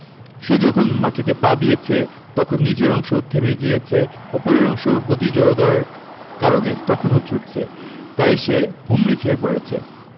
সে যখন মাটিতে পা দিয়েছে তখন নিচের অংশ থেমে গিয়েছে ওপরের অংশ গতি জড়তার কারণে তখনো ছুটছে তাই সে হুমড়ি খেয়ে পড়ছে